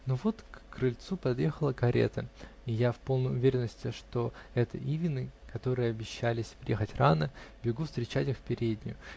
но вот к крыльцу подъехала карета, и я, в полной уверенности, что это Ивины, которые обещались приехать рано, бегу встречать их в переднюю.